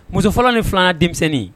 Muso fɔlɔ ni filanan ye denmisɛnnin